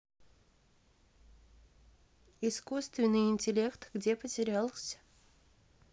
искусственный интеллект где потерялся